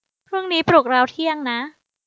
พรุ่งนี้ปลุกเราเที่ยงนะ